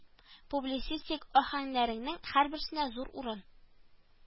Публицистик аһәңнәренең һәрберсенә зур урын